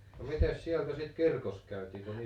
no mitenkäs sieltä sitten kirkossa käytiin kun -